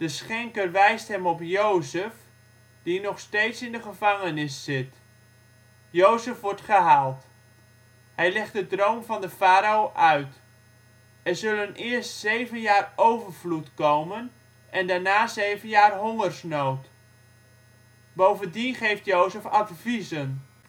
schenker wijst hem op Jozef, die nog steeds in de gevangenis zit. Jozef wordt gehaald. Hij legt de droom van de farao uit: er zullen eerst zeven jaar overvloed komen en daarna zeven jaar hongersnood. Bovendien geeft Jozef adviezen. De farao